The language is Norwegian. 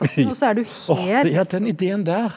å ja den ideen der.